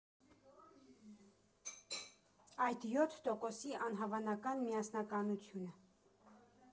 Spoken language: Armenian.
Այդ յոթ տոկոսի անհավանական միասնականությունը…